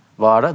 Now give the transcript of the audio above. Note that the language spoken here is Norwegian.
hva er det?